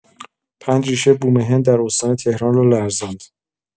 ۵ ریش‌تر بومهن در استان تهران را لرزاند.